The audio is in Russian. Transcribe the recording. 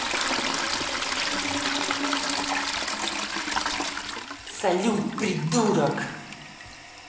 салют придурок